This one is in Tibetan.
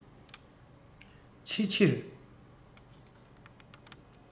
ཕྱི ཕྱིར